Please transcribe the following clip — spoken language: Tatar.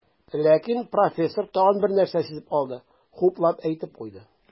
Ләкин профессор тагын бер нәрсәне сизеп алды, хуплап әйтеп куйды.